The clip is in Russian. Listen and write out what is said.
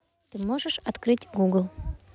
ты можешь открыть google